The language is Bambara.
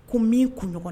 Ko min kun ɲɔgɔn